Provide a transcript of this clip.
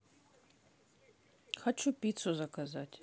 хочу пиццу заказать